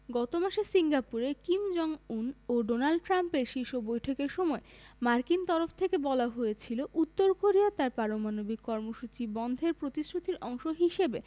গত মাসে সিঙ্গাপুরে কিম জং উন ও ডোনাল্ড ট্রাম্পের শীর্ষ বৈঠকের সময় মার্কিন তরফ থেকে বলা হয়েছিল উত্তর কোরিয়া তার পারমাণবিক কর্মসূচি বন্ধের প্রতিশ্রুতির অংশ হিসেবে